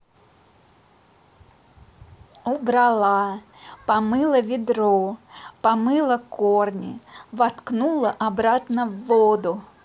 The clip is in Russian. убрала помыла ведро помыла корни воткнула обратно в воду